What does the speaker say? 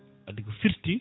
wadde ko firti